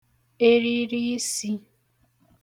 eriri isī